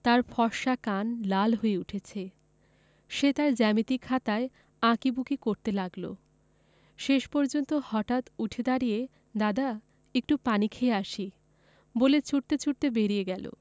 তার ফর্সা কান লাল হয়ে উঠছে সে তার জ্যামিতি খাতায় আঁকি ঝুকি করতে লাগলো শেষ পর্যন্ত হঠাৎ উঠে দাড়িয়ে দাদা একটু পানি খেয়ে আসি বলে ছুটতে ছুটতে বেরিয়ে গেল